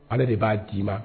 Ale de b'a d'i ma